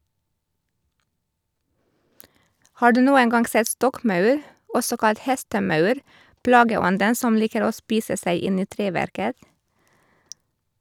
Har du noen gang sett stokkmaur, også kalt hestemaur, plageånden som liker å spise seg inn i treverket?